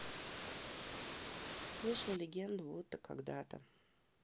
слышал легенду будто когда то